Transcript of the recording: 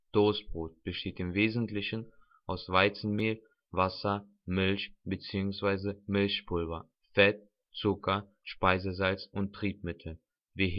Toastbrot besteht im Wesentlichen aus Weizenmehl, Wasser, Milch bzw. Milchpulver, Fett, Zucker, Speisesalz und Triebmitteln wie